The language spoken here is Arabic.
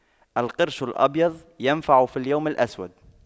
القرش الأبيض ينفع في اليوم الأسود